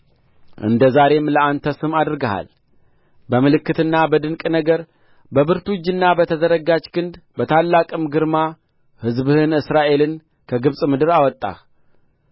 እንደ ዛሬም ለአንተ ስም አድርገሃል በምልክትና በድንቅ ነገር በብርቱ እጅና በተዘረጋች ክንድ በታላቅም ግርማ ሕዝብህን እስራኤልን ከግብጽ ምድር አወጣህ